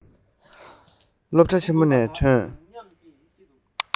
སློབ གྲྭ ཆེན མོ ནས ཐོན